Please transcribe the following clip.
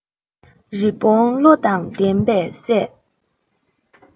རི བོང བློ དང ལྡན པས བསད